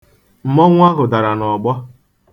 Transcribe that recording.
Mmọnwụ ahụ dara n'ọgbọ.